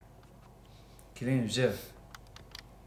ཁས ལེན བཞི